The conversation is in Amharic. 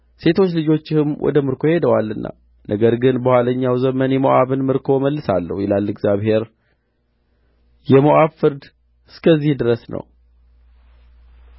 ሴቶች ልጆችህም ወደ ምርኮ ሄደዋልና ነገር ግን በኋለኛው ዘመን የሞዓብን ምርኮ እመልሳለሁ ይላል እግዚአብሔር የሞዓብ ፍርድ እስከዚህ ድረስ ነው